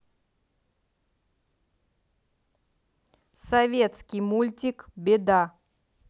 советский мультик беда